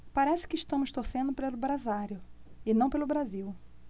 parece que estamos torcendo pelo brasário e não pelo brasil